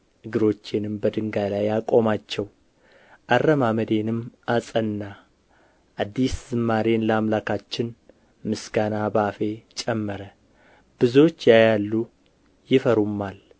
እግሮቼንም በድንጋይ ላይ አቆማቸው አረማመዴንም አጸና አዲስ ዝማሬን ለአምላካችን ምስጋና በአፌ ጨመረ ብዙዎች ያያሉ ይፈሩማል